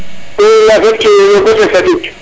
*